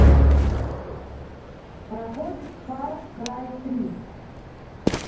проходит far cry три